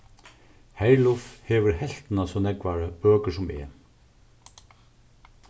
herluf hevur helvtina so nógvar bøkur sum eg